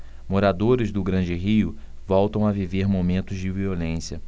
moradores do grande rio voltam a viver momentos de violência